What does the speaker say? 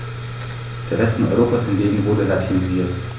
Der Westen Europas hingegen wurde latinisiert.